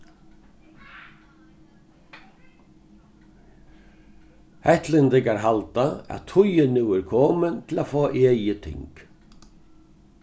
hetlendingar halda at tíðin nú er komin til at fáa egið ting